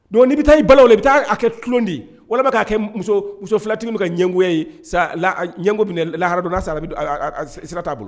Don nii bɛ taa i balo o i bɛ taa'a kɛ kulodi wala bɛ'a kɛ muso filatigi bɛ ka ɲɛgo ɲɛgo laharadɔ sira t'a bolo